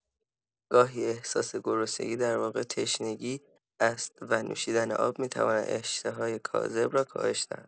گاهی احساس گرسنگی در واقع تشنگی است و نوشیدن آب می‌تواند اشت‌های کاذب را کاهش دهد.